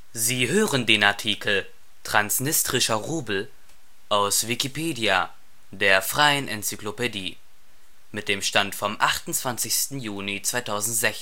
Sie hören den Artikel Transnistrischer Rubel, aus Wikipedia, der freien Enzyklopädie. Mit dem Stand vom Der